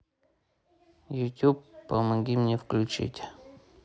ютуб помоги мне включить